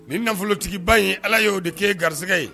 Nin nafolotigiba in Ala y'o de kɛ e garisɛgɛ ye